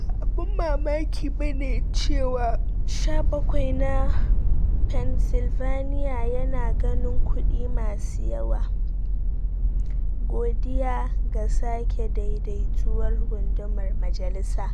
Ba abun mamaki bane cewa 17 na Pennsylvania yana ganin kuɗi masu yawa, godiya ga sake daidaituwar gundumar majalisa